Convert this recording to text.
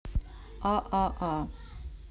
а а а